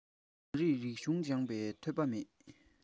རང རིགས རིག གཞུང སྦྱངས པའི ཐོས པ མེད